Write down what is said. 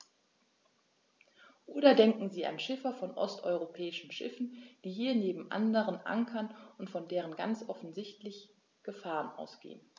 Oder denken Sie an Schiffer von osteuropäischen Schiffen, die hier neben anderen ankern und von denen ganz offensichtlich Gefahren ausgehen.